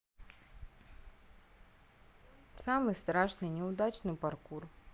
самый страшный неудачный паркур